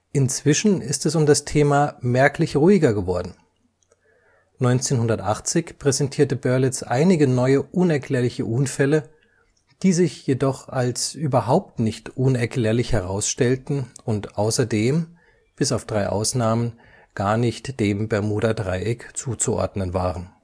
Inzwischen ist es um das Thema merklich ruhiger geworden. 1980 präsentierte Berlitz einige neue unerklärliche Unfälle, die sich jedoch als überhaupt nicht unerklärlich herausstellten und außerdem – bis auf drei Ausnahmen – gar nicht dem Bermudadreieck zuzuordnen waren